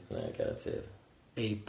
Ie guaranteed.